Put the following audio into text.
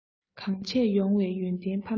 གང བྱས ཡོང བའི ཡོན ཏན ཕ མའི དྲིན